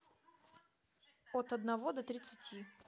от одного до тридцати